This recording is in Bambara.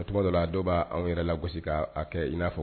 O tuma dɔ la dɔw b'an yɛrɛ la gosi ka'a kɛ in'a fɔ